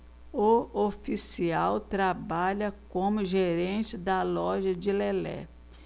o oficial trabalha como gerente da loja de lelé